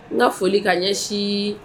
N ka foli ka ɲɛ si